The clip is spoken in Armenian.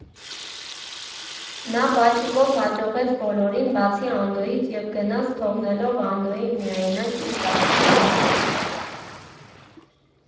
Նա պաչիկով հաջողեց բոլորին, բացի Անդոյից, և գնաց՝ թողնելով Անդոյին միայնակ իր կասկածների հետ։